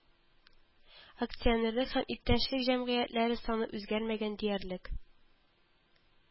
Акционерлык һәм иптәшлек җәмгыятьләре саны үзгәрмәгән диярлек